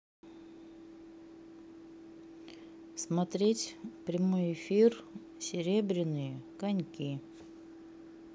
смотреть прямой эфир серебряные коньки